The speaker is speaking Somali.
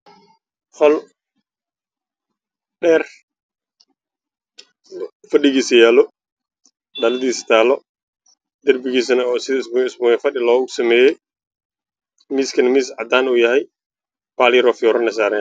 Qol dheer fadhigiisa yaalo